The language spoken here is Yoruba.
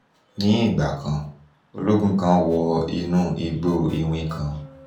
Ní ìgbà kan, ológun kan wọ inú igbó iwin kan.